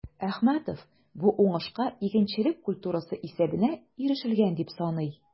Әхмәтов бу уңышка игенчелек культурасы исәбенә ирешелгән дип саный.